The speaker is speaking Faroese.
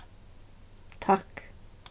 takk